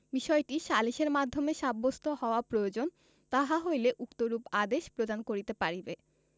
বিষয়টি সালিসের মাধ্যমে সাব্যস্ত হওয়া প্রয়োজন তাহা হইলে উক্তরূপ আদেশ প্রদান করিতে পারিবে